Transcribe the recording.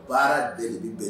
Baara bɛɛli bɛ